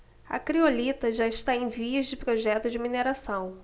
a criolita já está em vias de projeto de mineração